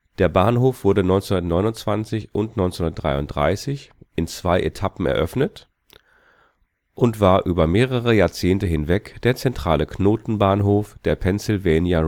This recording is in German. Der Bahnhof wurde 1929 und 1933 in zwei Etappen eröffnet und war über mehrere Jahrzehnte hinweg der zentrale Knotenbahnhof der Pennsylvania